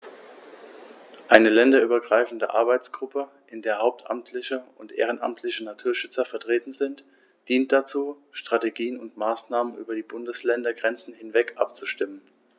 Eine länderübergreifende Arbeitsgruppe, in der hauptamtliche und ehrenamtliche Naturschützer vertreten sind, dient dazu, Strategien und Maßnahmen über die Bundesländergrenzen hinweg abzustimmen.